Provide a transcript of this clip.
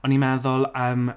O'n i'n meddwl yym